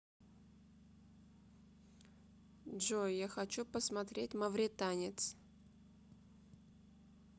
джой я хочу посмотреть мавританец